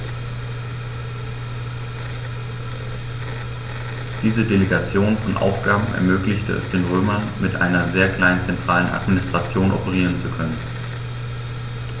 Diese Delegation von Aufgaben ermöglichte es den Römern, mit einer sehr kleinen zentralen Administration operieren zu können.